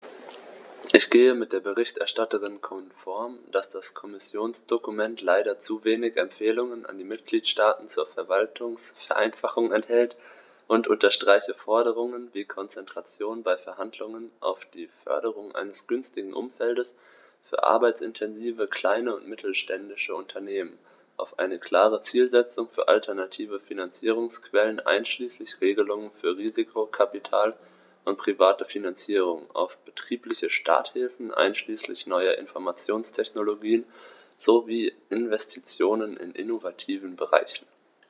Ich gehe mit der Berichterstatterin konform, dass das Kommissionsdokument leider zu wenig Empfehlungen an die Mitgliedstaaten zur Verwaltungsvereinfachung enthält, und unterstreiche Forderungen wie Konzentration bei Verhandlungen auf die Förderung eines günstigen Umfeldes für arbeitsintensive kleine und mittelständische Unternehmen, auf eine klare Zielsetzung für alternative Finanzierungsquellen einschließlich Regelungen für Risikokapital und private Finanzierung, auf betriebliche Starthilfen einschließlich neuer Informationstechnologien sowie Investitionen in innovativen Bereichen.